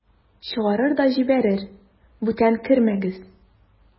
Чыгарыр да җибәрер: "Бүтән кермәгез!"